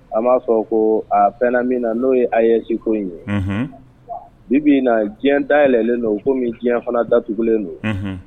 A'a fɔ ko a fɛnna min na n'o ye a ye siko in ye min bɛ na diɲɛ day yɛlɛlen don komi diɲɛ fana daugulen don